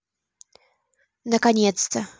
наконец то